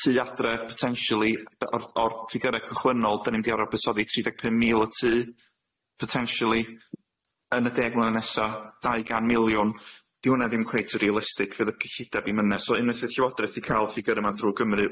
Tŷ Adre potentially yy o'r o'r ffigyre cychwynnol dan ni'm di aral bysoddi tri deg pum mil y tŷ potentially yn y deg mlynedd nesa dau gan miliwn di hwnna ddim cweit y realistig fydd y gyllide ddim yna so unwaith y Llywodraeth di ca'l ffigyre ma'n trw Cymru